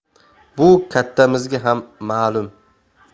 bu kattamizga ham ma'lum